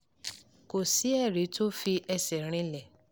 Kò sí ẹ̀rí tí ó fi ẹsẹ̀ rinlẹ̀.